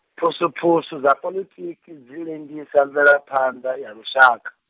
phusuphusu dza poḽitiki dzi lengisa mvelaphanḓa ya lushaka.